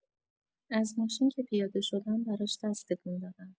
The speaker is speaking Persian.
از ماشین که پیاده شدم براش دست تکون دادم.